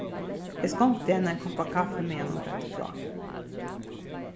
eg skonkti henni ein kopp av kaffi meðan hon greiddi frá